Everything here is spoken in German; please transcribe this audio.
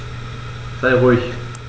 Sei ruhig.